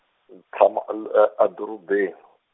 ndzi tshama al- a dorobeni.